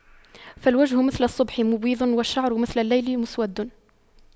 فالوجه مثل الصبح مبيض والشعر مثل الليل مسود